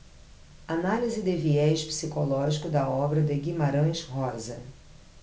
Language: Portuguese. análise de viés psicológico da obra de guimarães rosa